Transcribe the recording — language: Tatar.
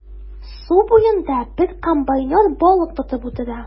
Су буенда бер комбайнер балык тотып утыра.